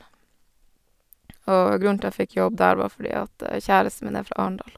Og grunnen til jeg fikk jobb der, var fordi at kjæresten min er fra Arendal.